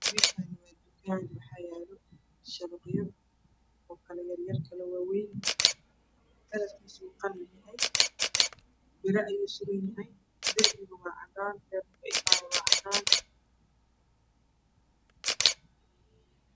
Meshan waa tukan waxa yaalo shawaqyo okalayar yar kalawawen kalarkisu qalinyahay biro ayusuran yahay derbiga waa cadan Lerka ifayawaacadan